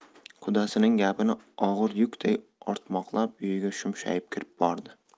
qudasining gapini og'ir yukday ortmoqlab uyiga shumshayib kirib bordi